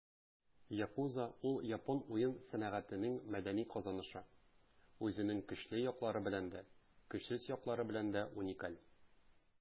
Yakuza - ул япон уен сәнәгатенең мәдәни казанышы, үзенең көчле яклары белән дә, көчсез яклары белән дә уникаль.